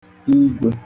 igwe